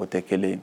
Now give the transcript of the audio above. O tɛ kelen ye